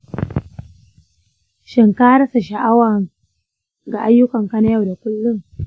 shin ka rasa sha'awa ga ayyukanka na yau da kullum?